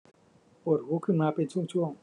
ปวดหูขึ้นมาเป็นช่วงช่วง